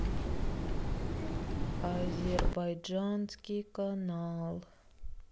азербайджанский канал